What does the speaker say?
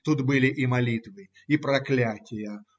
Тут были и молитвы и проклятия.